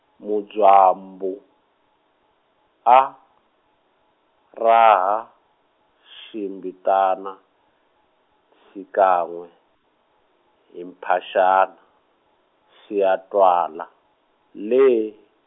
Mudzwambu, a, raha, ximbitana, xikan'we, hi mphaxana, xi ya twala, lee.